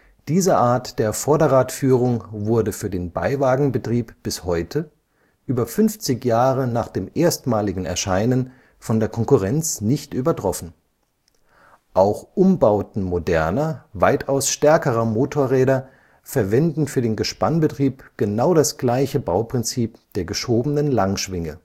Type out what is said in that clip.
Diese Art der Vorderradführung wurde für den Beiwagenbetrieb bis heute, über fünfzig Jahre nach dem erstmaligen Erscheinen, von der Konkurrenz nicht übertroffen. Auch Umbauten moderner, weitaus stärkerer Motorräder verwenden für den Gespannbetrieb genau das gleiche Bauprinzip der geschobenen Langschwinge